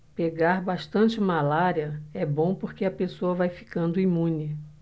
pegar bastante malária é bom porque a pessoa vai ficando imune